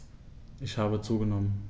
Ich habe zugenommen.